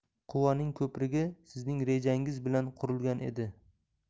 quvaning ko'prigi sizning rejangiz bilan qurilgan edi